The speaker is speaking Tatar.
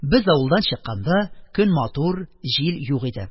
Без авылдан чыкканда, көн матур, җил юк иде.